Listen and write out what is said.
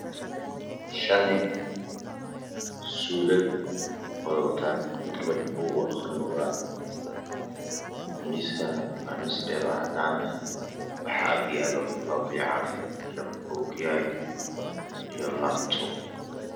Shan nin suudad wada wataan midka kowaad buugu aqrinoya miiskana waa miis beero cadaan ah waxa agyaalo laba biyo caafi iyo ookiyaalo iyo laabtob